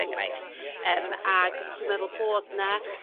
enghraifft eem ag dwi'n meddwl bod 'na